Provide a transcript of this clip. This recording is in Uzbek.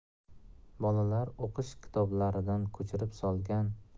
bolalar o'qish kitoblaridan ko'chirib solgan